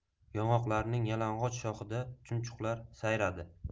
yong'oqlarning yalang'och shoxida chum chuqlar sayradi